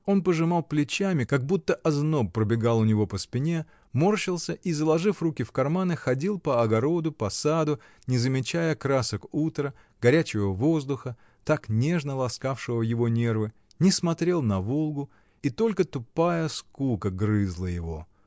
Он пожимал плечами, как будто озноб пробегал у него по спине, морщился и, заложив руки в карманы, ходил по огороду, по саду, не замечая красок утра, горячего воздуха, так нежно ласкавшего его нервы, не смотрел на Волгу, и только тупая скука грызла его.